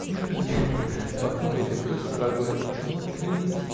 выпрыгни в окно или бросься в огонь", ну, вот, клянусь!